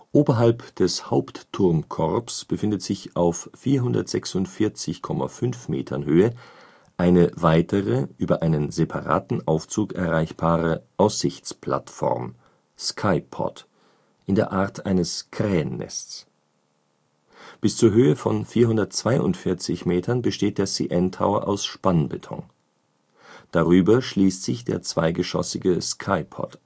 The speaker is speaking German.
Oberhalb des Hauptturmkorbs befindet sich auf 446,5 Meter Höhe eine weitere, über einen separaten Aufzug erreichbare Aussichtsplattform (Sky Pod) in der Art eines Krähennests. Bis zur Höhe von 442 Metern besteht der CN Tower aus Spannbeton. Darüber schließt sich der zweigeschossige Sky Pod